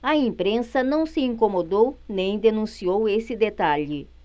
a imprensa não se incomodou nem denunciou esse detalhe